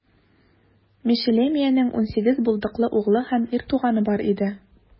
Мешелемиянең унсигез булдыклы углы һәм ир туганы бар иде.